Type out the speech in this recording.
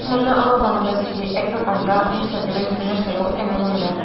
Ул моны Алабамада сөйли, ә кем анда, нәрсә дөрес, ә нәрсә юк икәнлеген белә?